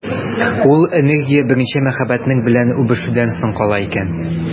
Ул энергия беренче мәхәббәтең белән үбешүдән соң кала икән.